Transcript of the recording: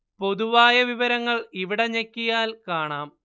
പൊതുവായ വിവരങ്ങൾ ഇവിടെ ഞെക്കിയാൽ കാണാം